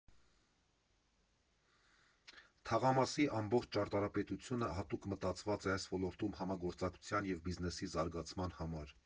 Թաղամասի ամբողջ ճարտարապետությունը հատուկ մտածված է այս ոլորտում համագործակցության և բիզնեսի զարգացման համար։